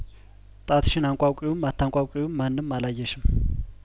ጣትሽን አንቋቂውም አታንቋቂውም ማንም አላየሽም